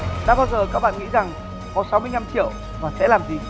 đã bao giờ các bạn nghĩ rằng có sáu mươi nhăm triệu và sẽ làm gì